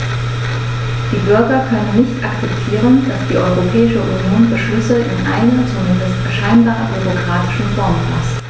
Die Bürger können nicht akzeptieren, dass die Europäische Union Beschlüsse in einer, zumindest scheinbar, bürokratischen Form faßt.